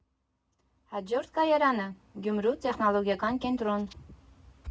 Հաջորդ կայարանը՝ Գյումրու տեխնոլոգիական կենտրոն։